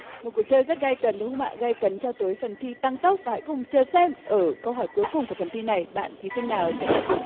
một cuộc chơi rất gay cấn đúng không ạ gay cấn cho tới phần thi tăng tốc và hãy cùng chờ xem ở câu hỏi cuối cùng của phần thi này bạn thí sinh nào sẽ nhận được